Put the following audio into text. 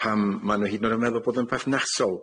Pam ma' nw hyd yn o'd yn meddwl bod o'n perthnasol.